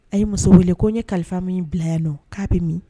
A ye muso wele ko n ye kalifa min bila yan nɔ k'a bɛ min